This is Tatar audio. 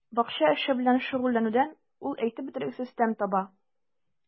Бакча эше белән шөгыльләнүдән ул әйтеп бетергесез тәм таба.